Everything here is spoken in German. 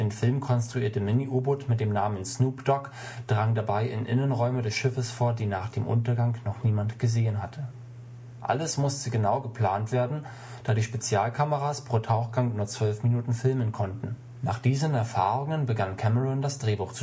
Film konstruierte Mini-U-Boot mit dem Namen Snoop Dog drang dabei in die Innenräume des Schiffes vor, die nach dem Untergang noch niemand gesehen hatte. Alles musste genau geplant werden, da die Spezial-Kameras pro Tauchgang nur zwölf Minuten filmen konnten. Nach diesen Erfahrungen begann Cameron das Drehbuch